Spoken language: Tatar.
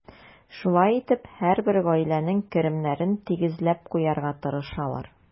Шулай итеп, һәрбер гаиләнең керемнәрен тигезләп куярга тырышалар.